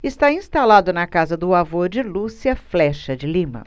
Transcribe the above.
está instalado na casa do avô de lúcia flexa de lima